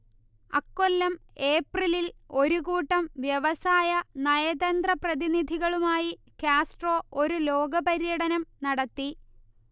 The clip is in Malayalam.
അക്കൊല്ലം ഏപ്രിലിൽ ഒരു കൂട്ടം വ്യവസായ നയതന്ത്ര പ്രതിനിധികളുമായി കാസ്ട്രോ ഒരു ലോക പര്യടനം നടത്തി